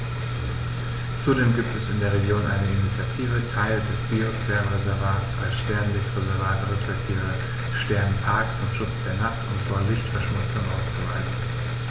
Zudem gibt es in der Region eine Initiative, Teile des Biosphärenreservats als Sternenlicht-Reservat respektive Sternenpark zum Schutz der Nacht und vor Lichtverschmutzung auszuweisen.